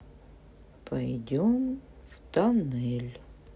пойдем в тоннель